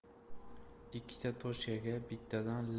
ikkita tokchaga bittadan